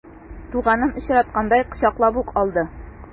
Туганын очраткандай кочаклап ук алды.